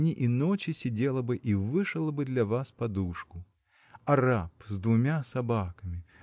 дни и ночи сидела бы и вышила бы для вас подушку арап с двумя собаками